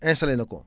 intallé na ko